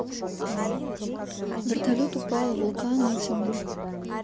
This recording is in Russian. вертолет упал вулкан этими